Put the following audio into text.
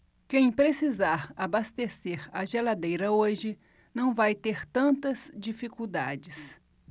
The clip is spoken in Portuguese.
quem precisar abastecer a geladeira hoje não vai ter tantas dificuldades